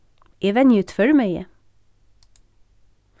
eg venji í tvørmegi